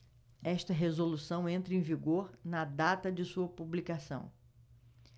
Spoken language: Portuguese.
esta resolução entra em vigor na data de sua publicação